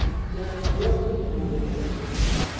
sen qayoqqa kinoga